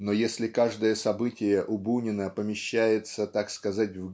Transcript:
Но если каждое событие у Бунина помещается так сказать